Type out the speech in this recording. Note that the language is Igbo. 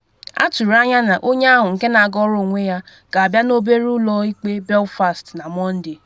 A tụrụ anya na onye ahụ nke na-agọrọ onwe ya ga-abịa n’obere ụlọ ikpe Belfast na Mọnde.